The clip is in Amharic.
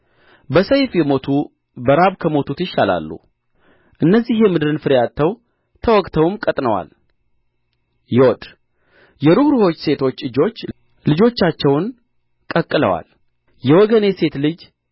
በሰይፍ የሞቱ በራብ ከሞቱት ይሻላሉ እነዚህ የምድርን ፍሬ አጥተው ተወግተውም ቀጥነዋል ዮድ የርኅሩኆች ሴቶች እጆች ልጆቻችውን ቀቅለዋል የወገኔ ሴት ልጅ